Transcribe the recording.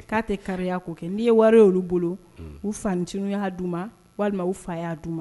K'a tɛ ka' kɛ n'i ye wari olu bolo u fatinin y'a d' u ma walima u fa y'a d'i